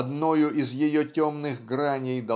одною из ее темных граней